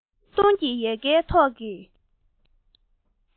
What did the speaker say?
ཁམ སྡོང གི ཡལ གའི ཐོག གི